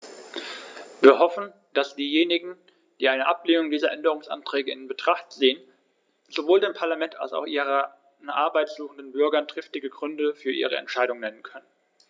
Wir hoffen, dass diejenigen, die eine Ablehnung dieser Änderungsanträge in Betracht ziehen, sowohl dem Parlament als auch ihren Arbeit suchenden Bürgern triftige Gründe für ihre Entscheidung nennen können.